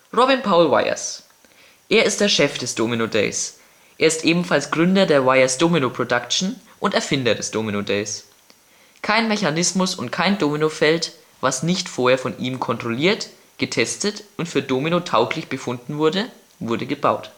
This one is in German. Paul Weijers Er ist der Chef des Domino Days. Er ist ebenfalls der Gründer der Weijers-Domino-Production und Erfinder des Domino Days. Kein Mechanismus und kein Domino-Feld was nicht vorher von ihm kontrolliert, getestet und für Domino tauglich befunden wurde, wurde gebaut